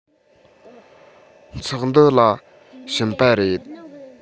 ཚོགས འདུ ལ ཕྱིན པ རེད